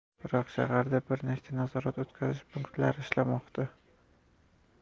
biroq shaharda bir nechta nazorat o'tkazish punktlari ishlamoqda